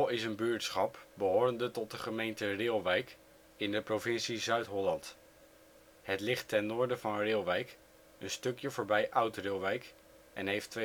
is een buurtschap behorende tot de gemeente Reeuwijk in de provincie Zuid-Holland. Het ligt ten noorden van Reeuwijk een stukje voorbij Oud-Reeuwijk en heeft